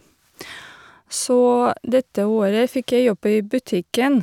Så dette året fikk jeg jobb i butikken.